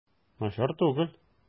Начар түгел.